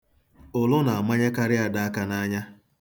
Ụlụ na-amanyekarị ada aka n'anya.